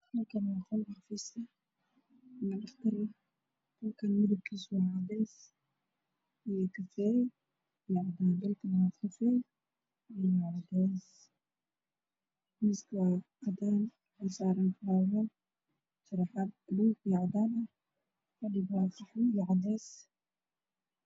Waa meel qol waxaa yaalla kuraas iyo miis miiska waxaa saaran miro midabkeedu yahay cadaan albaabku waa u furan yahay